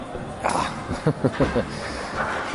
Ahh.